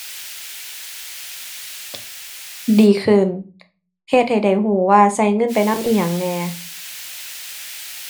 ดีขึ้น เฮ็ดให้ได้รู้ว่ารู้เงินไปนำอิหยังแหน่